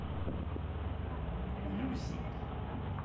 люсик